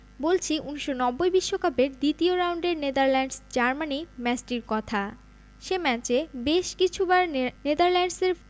বলছি ১৯৯০ বিশ্বকাপের দ্বিতীয় রাউন্ডের নেদারল্যান্ডস জার্মানি ম্যাচটির কথা সে ম্যাচে বেশ কিছুবার নে নেদারল্যান্ডসের